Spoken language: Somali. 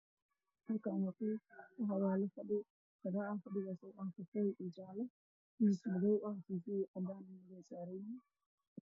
Meeshaan waxaa ka muuqdo miis iyo kuraas gaduudan television shidan